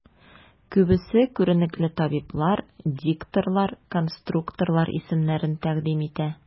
Күбесе күренекле табиблар, дикторлар, конструкторлар исемнәрен тәкъдим итә.